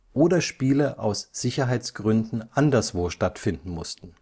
oder Spiele aus Sicherheitsgründen anderswo stattfinden mussten